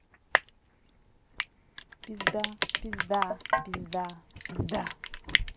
пизда пизда пизда пизда